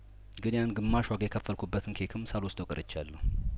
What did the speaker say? ግንያን ግማሽ ዋጋ የከፈልኩበትን ኬክም ሳል ወስደው ቀርቻለሁ